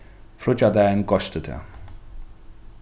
fríggjadagin goysti tað